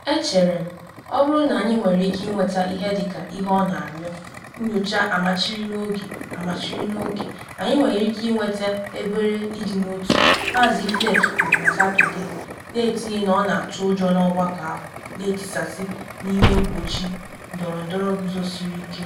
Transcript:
“Echere m, ọ bụrụ na anyị nwere ike ịnweta ihe dị ka ihe ọ na arịọ - nyocha amachiri n’oge, amachiri n’oke - anyị nwere ike iwete obere ịdị n’otu,” Maazị Flake kwuru na Satọde, na etinye na ọ na atụ ụjọ na ọgbakọ ahụ na “etisasi” n’ime mkpọchi ndọrọndọrọ gozusiri ike.